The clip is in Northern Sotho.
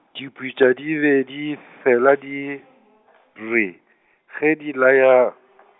dipitša di be di fela di re, ge di laya .